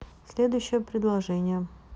следующее предложение